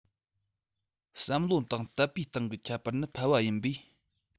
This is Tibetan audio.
བསམ བློ དང དད པའི སྟེང གི ཁྱད པར ནི ཕལ བ ཡིན པས